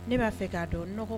Ne b'a fɛ k'a dɔn n